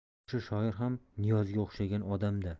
o'sha shoir ham niyozga o'xshagan odam da